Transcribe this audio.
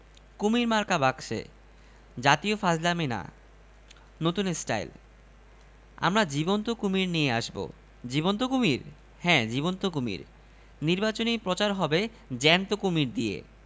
কুমীর মার্কা বাক্সে জাতীয় ফাজলামী না নতুন স্টাইল আমরা জীবন্ত কুমীর নিয়ে আসব জীবন্ত কুমীর হ্যাঁ জীবন্ত কুমীর নির্বাচনী প্রচার হবে জ্যান্ত কুমীর দিয়ে